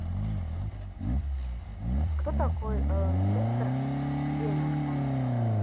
кто такой chester bennington